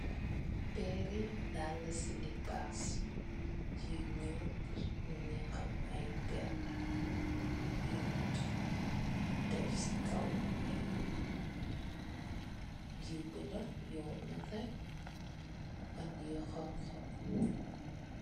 Pèrri daal silipas yu ñuul nungi am ay pèrr yun deff ci kaw, ay yu bulo, yu nètè ak yu honku.